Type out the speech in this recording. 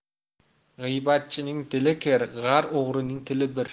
g'iybatchining dili kir g'ar o'g'rining tili bir